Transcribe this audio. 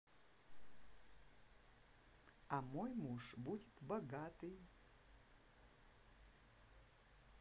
а мой муж будет богатый